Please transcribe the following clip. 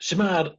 Su' ma'r